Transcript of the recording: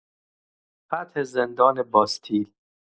فتح زندان باستیل